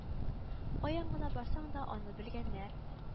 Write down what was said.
Каян гына барса да аны белгәннәр